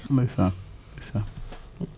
ndeysaan ndeysaan